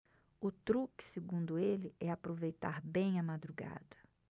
o truque segundo ele é aproveitar bem a madrugada